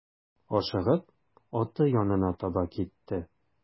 Ашыгып аты янына таба китте.